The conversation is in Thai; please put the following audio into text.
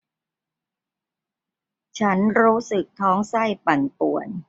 ฉันรู้สึกท้องไส้ปั่นป่วน